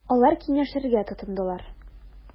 Алар киңәшергә тотындылар.